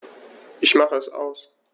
Ich mache es aus.